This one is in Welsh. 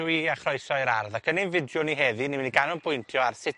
...dw i, a chroeso i'r ardd, ac yn ein fideo ni heddi ni myn' i ganolbwyntio ar sut